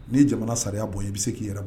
N'i yejamana sariyaya bɔ i bɛ se k'i yɛrɛ